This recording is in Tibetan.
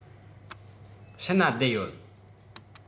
ཕྱི ན བསྡད ཡོད